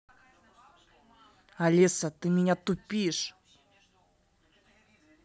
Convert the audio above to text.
алиса ты меня тупишь